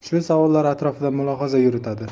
shu savollar atrofida mulohaza yuritadi